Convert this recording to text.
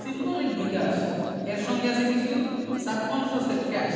symbolic বিকাশ এর সঙ্গে আছে কিছু সাবকন্সাসের কাশ